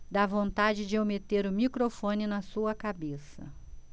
dá vontade de eu meter o microfone na sua cabeça